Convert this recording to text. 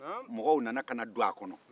mɔgɔw nana ka na don a kɔnɔ